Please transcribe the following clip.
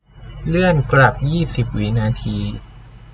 เลื่อนกลับยี่สิบวินาที